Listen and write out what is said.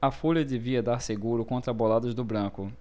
a folha devia dar seguro contra boladas do branco